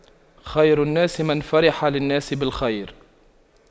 خير الناس من فرح للناس بالخير